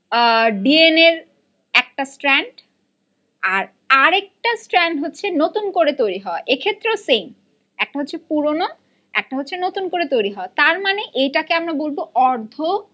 DNA এর একটা strand আর আরেকটা স্ট্র্যান্ড হচ্ছে নতুন করে তৈরি হওয়া এক্ষেত্রেও সেইম একটা হচ্ছে পুরোনো একটা হচ্ছে নতুন করে তৈরি হওয়া তের মানে এটাকে আমরা বলব অর্ধ